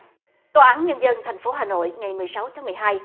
tòa án nhân dân thành phố hà nội ngày mười sáu tháng mười hai